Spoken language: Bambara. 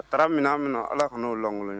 A taara min an minɛ ala n' kolon ye